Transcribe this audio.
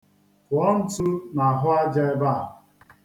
Kụọ ntu n'ahụaja ebe a.